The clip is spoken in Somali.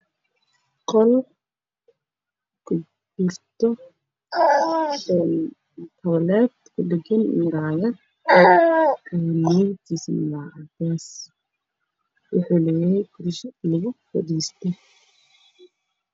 Meshan waa qol fadhi ah